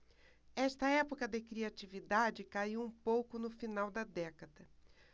esta época de criatividade caiu um pouco no final da década